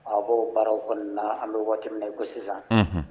Aw baw baaraw kɔnɔna an waati min na i ko sisan